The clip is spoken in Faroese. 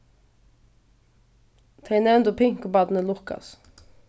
tey nevndu pinkubarnið lukas